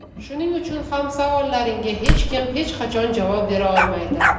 shuning uchun ham savollaringga hech kim hech qachon javob bera olmaydi